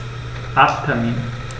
Arzttermin